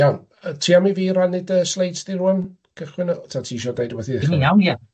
Iawn, yy ti am i fi rannu dy sleids di rŵan, cychwyn yy ta ti isio deud rywbeth i